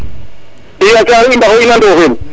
i a Thiare i mbaxwe ina Ndofene